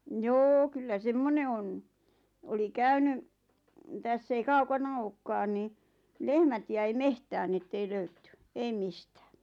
no joo kyllä semmoinen on oli käynyt tässä ei kaukana olekaan niin lehmät jäi metsään no että ei löydetty ei mistään